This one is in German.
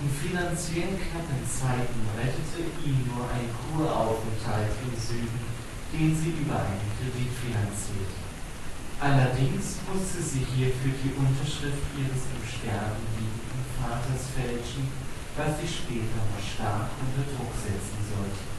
finanziell knappen Zeiten rettete ihn nur ein Kuraufenthalt im Süden, den sie über einen Kredit finanzierte. Allerdings musste sie hierfür die Unterschrift ihres im Sterben liegenden Vaters fälschen, was sie später noch stark unter Druck setzen sollte